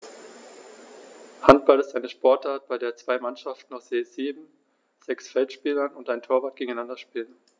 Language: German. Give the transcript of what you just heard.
Handball ist eine Sportart, bei der zwei Mannschaften aus je sieben Spielern (sechs Feldspieler und ein Torwart) gegeneinander spielen.